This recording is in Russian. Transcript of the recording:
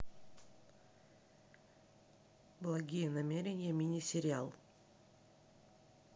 благие намерения мини сериал